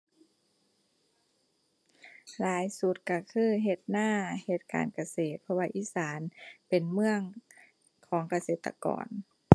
หลายสุดก็คือเฮ็ดนาเฮ็ดการเกษตร เพราะว่าอีสานเป็นเมืองของเกษตรกร